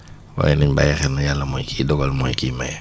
waaye nañ bàyyi xel ne yàlla mooy kiy dogal mooy kiy maye